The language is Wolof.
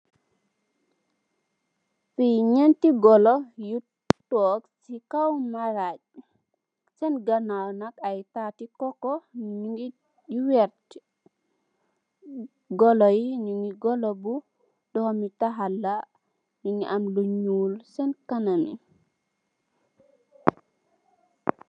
Fii ñeenti goolo yu toog si kow maraaj, seen ganaaw, ay taati kokko, ñu ngi werta, goolo yi, goolo bi ñu ngi am lu ñuul seen kanam